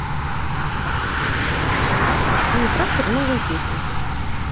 синий трактор новые песенки